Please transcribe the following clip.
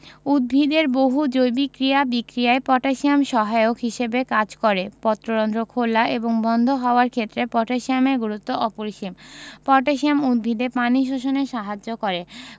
উদ্ভিদের বহু জৈবিক ক্রিয়া বিক্রিয়ায় পটাশিয়াম সহায়ক হিসেবে কাজ করে পত্ররন্ধ্র খেলা এবং বন্ধ হওয়ার ক্ষেত্রে পটাশিয়ামের গুরুত্ব অপরিসীম পটাশিয়াম উদ্ভিদে পানি শোষণে সাহায্য করে